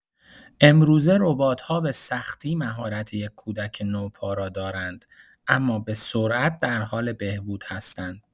امروزه ربات‌ها به‌سختی مهارت یک کودک نوپا را دارند، اما به‌سرعت در حال بهبود هستند.